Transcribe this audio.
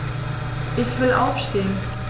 Ich will aufstehen.